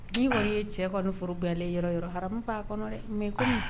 N' kɔni ye cɛ furu bɛ yɔrɔ yɔrɔ hamu'a kɔnɔ dɛ mɛ kuma